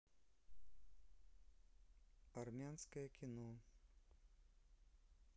армянское кино